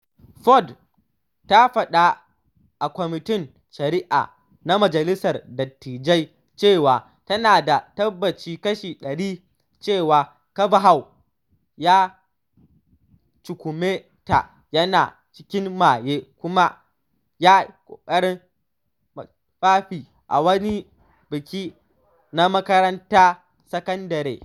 Ford ta faɗa a Kwamitin Shari’a na Majalisar Dattijai cewa tana da tabbaci kashi 100 cewa Kavanaugh ya cakume ta yana cikin maye kuma ya yi ƙoƙarin cire mata tufafinta a wani biki na makarantar sakandare.